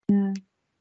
Ie.